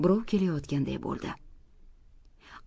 birov kelayotgandek bo'ldi